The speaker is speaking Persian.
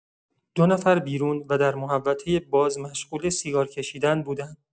دو نفر بیرون و در محوطه باز مشغول سیگارکشیدن بودند.